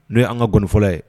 N'o ye' ka nkɔni fɔlɔ ye